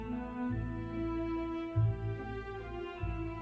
music